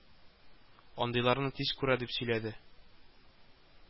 Андыйларны тиз күрә, дип сөйләде